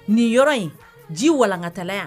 Nin yɔrɔ in ji walankata yan